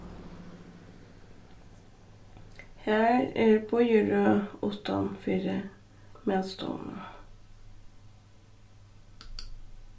har er bíðirøð uttan fyri matstovuna